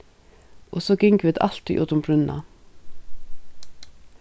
og so gingu vit altíð út um brúnna